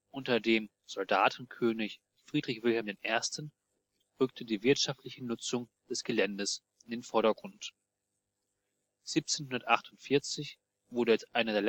Unter dem „ Soldatenkönig “Friedrich Wilhelm I. rückte die wirtschaftliche Nutzung des Geländes in den Vordergrund: 1748 wurde als einer